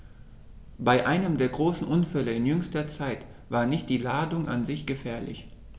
Bei einem der großen Unfälle in jüngster Zeit war nicht die Ladung an sich gefährlich.